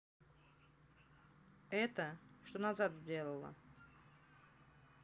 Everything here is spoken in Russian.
это что назад сделала